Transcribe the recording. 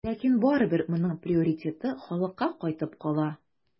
Ләкин барыбер моның приоритеты халыкка кайтып кала.